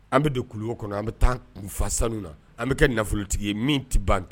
An bɛ don kulu kɔnɔ an bɛ taa kunfa sanu na an bɛ kɛ nafolotigi ye min tɛ ban kɛ